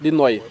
di noyyi